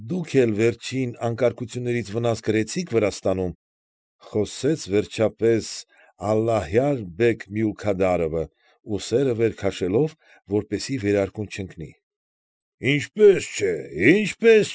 Դուք էլ վերջին անկարգություններից վնաս կրեցի՞ք Վրաստանում,֊ խոսեց վերջապես Ալլահյար֊բեգ Մյուլքադարովը, ուսերը վեր քաշելով, որպեսզի վերարկուն չընկնի։ ֊ Ինչպե՛ս չէ, ինչպե՛ս։